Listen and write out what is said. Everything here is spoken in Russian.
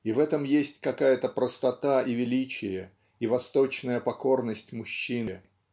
и в этом есть какая-то простота и величие и восточная покорность мужчине